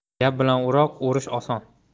gap bilan o'roq o'rish oson